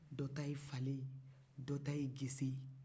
dɔ ta ye falen ye dɔ ta ye gese ye